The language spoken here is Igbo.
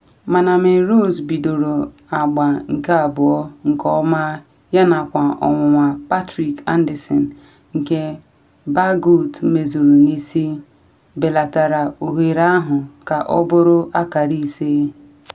Mana Melrose bidoro agba nke abụọ nke ọma yanakwa ọnwụnwa Patrick Anderson, nke Bagoot mezuru n’isi, belatara oghere ahụ ka ọ bụrụ akara ise.